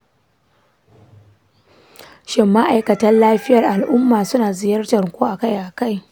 shin ma’aikatan lafiyar al’umma suna ziyartar ku akai-akai?